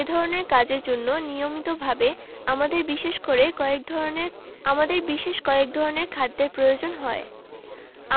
এধরনের কাজের জন্য নিয়মিতভাবে আমাদের বিশেষ করে কয়েক ধরনের আমাদের বিশেষ কয়েক ধরনের খাদ্যের প্রয়োজন হয়